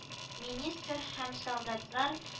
Министр һәм солдатлар